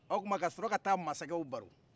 o tuma ka sɔrɔ ka taa masakɛw baro